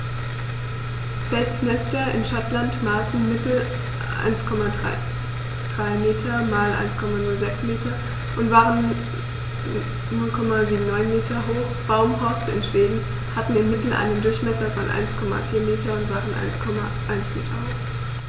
Felsnester in Schottland maßen im Mittel 1,33 m x 1,06 m und waren 0,79 m hoch, Baumhorste in Schweden hatten im Mittel einen Durchmesser von 1,4 m und waren 1,1 m hoch.